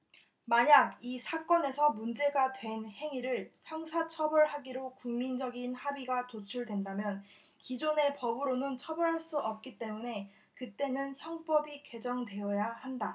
만약 이 사건에서 문제가 된 행위를 형사 처벌하기로 국민적인 합의가 도출된다면 기존의 법으로는 처벌할 수 없기 때문에 그때는 형법이 개정돼야 한다